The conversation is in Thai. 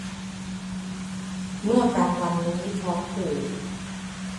เมื่อกลางวันนี้ท้องผูก